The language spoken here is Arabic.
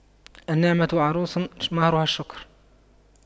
النعمة عروس مهرها الشكر